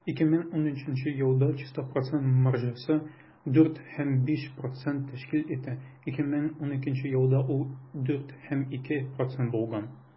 2013 елда чиста процент маржасы 4,5 % тәшкил итте, 2012 елда ул 4,2 % булган.